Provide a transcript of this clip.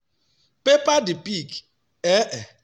“”Peppa the Pig,” ee.”